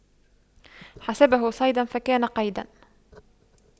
حسبه صيدا فكان قيدا